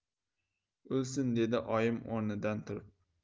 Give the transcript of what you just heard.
o'lsin dedi oyim o'rnidan turib